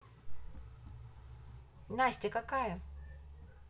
настя какая